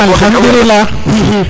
alkhadoulilah